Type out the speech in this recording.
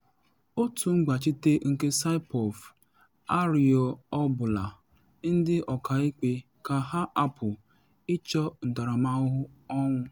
Otu mgbachite nke Saipov arịọbuola ndị ọkaikpe ka ha hapụ ịchọ ntaramahụhụ ọnwụ.